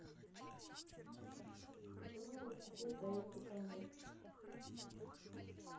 почему я не купил тойоту камри